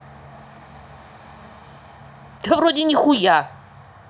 да вроде нихуя